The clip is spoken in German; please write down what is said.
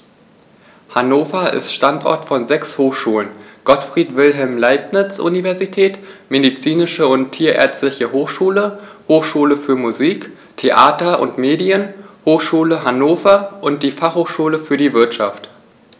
Hannover ist Standort von sechs Hochschulen: Gottfried Wilhelm Leibniz Universität, Medizinische und Tierärztliche Hochschule, Hochschule für Musik, Theater und Medien, Hochschule Hannover und die Fachhochschule für die Wirtschaft.